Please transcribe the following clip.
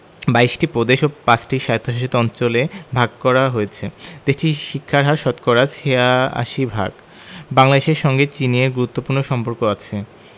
২২ টি প্রদেশ ও ৫ টি স্বায়ত্তশাসিত অঞ্চলে ভাগ করা হয়েছে দেশটির শিক্ষার হার শতকরা ৮৬ ভাগ বাংলাদেশের সঙ্গে চীনের বন্ধুত্বপূর্ণ সম্পর্ক আছে